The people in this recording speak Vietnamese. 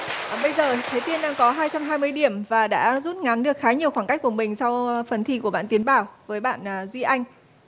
bây giờ thế tiên đang có hai trăm hai mươi điểm và đã rút ngắn được khá nhiều khoảng cách của mình sau phần thi của bạn tiến bảo với bạn à duy anh